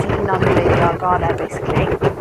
ti'n 'lly normaleiddio y gore basically.